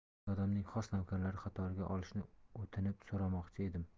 amirzodamning xos navkarlari qatoriga olinishini o'tinib so'ramoqchi edim